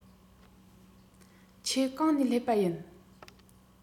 ཁྱེད གང ནས སླེབས པ ཡིན